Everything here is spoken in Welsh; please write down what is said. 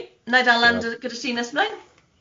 'Na i ddalan gyda ti nes mlaen.